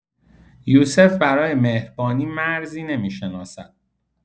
یوسف برای مهربانی مرزی نمی‌شناسد.